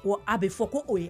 Ko a bɛ fɔ ko o ye